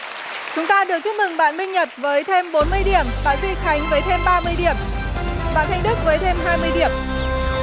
chúng ta đều chúc mừng bạn minh nhật với thêm bốn mươi điểm và duy khánh với thêm ba mươi điểm bạn thanh đức với thêm hai mươi điểm